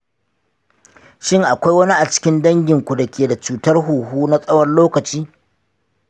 shin akwai wani a cikin danginku da ke da cutar huhu na tsawon lokaci?